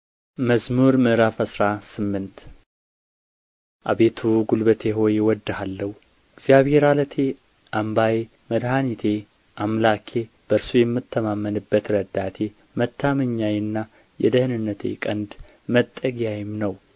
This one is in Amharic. መዝሙር ምዕራፍ አስራ ስምንት አቤቱ ጕልበቴ ሆይ እወድድሃለሁ እግዚአብሔር ዓለቴ አምባዬ መድኃኒቴ አምላኬ በእርሱም የምተማመንበት ረዳቴ መታመኛዬና የደኅንነቴ ቀንድ መጠጊያዬም ነው